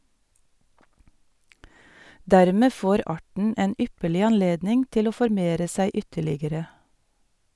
Dermed får arten en ypperlig anledning til å formere seg ytterligere.